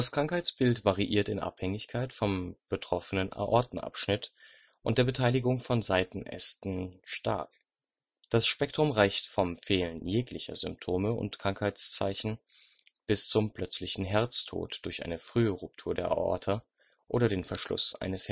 Krankheitsbild variiert in Abhängigkeit vom betroffenen Aortenabschnitt und der Beteiligung von Seitenästen stark. Das Spektrum reicht vom Fehlen jeglicher Symptome und Krankheitszeichen bis zum plötzlichen Herztod durch eine frühe Ruptur der Aorta oder den Verschluss eines